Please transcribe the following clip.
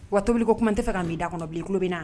Wa tobili kuma tɛ fɛ ka' da kɔnɔ bilen tulo bɛ na